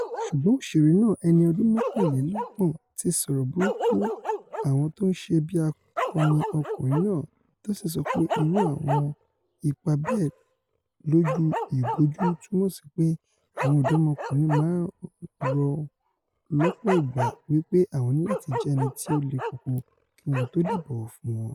Ṣùgbọ́n òṣèré náà, ẹni ọdún mọ́kànlélọ́gbọ̀n, ti sọ̀rọ̀ burúkú àwọn tóńṣe bí akọni ọkùnrin náà, tó sì ńs̵ọpé irú àwọn ipa bẹ́ẹ̀ lójú ìbòjú túmọ̀sí pé àwọn ọ̀dọ́mọkùnrin máa ńrò lọ́pọ̀ ìgbà wí pé àwọn níláti jẹ́ ẹniti o le koko kí wọ́n tó leè bọ̀wọ̀ fún wọn.